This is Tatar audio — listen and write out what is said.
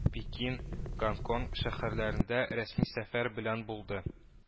Пекин, Гонконг шәһәрләрендә рәсми сәфәр белән булды